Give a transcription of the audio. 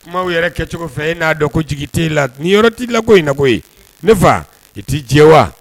Kumaw yɛrɛ kɛcogo fɛ e n'a dɔn ko jigi t'e la niyɔrɔ t'i la ko in na koyi ne fa i ti diɲɛ wa